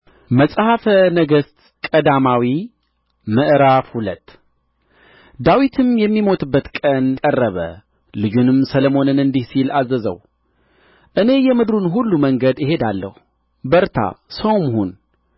መጽሐፈ ነገሥት ቀዳማዊ ምዕራፍ ሁለት ዳዊትም የሚሞትበት ቀን ቀረበ ልጁንም ሰሎሞንን እንዲህ ሲል አዘዘው እኔ የምድሩን ሁሉ መንገድ እሄዳለሁ በርታ ሰውም ሁን